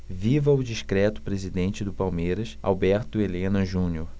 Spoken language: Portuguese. viva o discreto presidente do palmeiras alberto helena junior